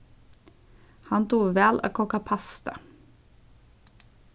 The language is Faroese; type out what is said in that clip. hann dugir væl at kóka pasta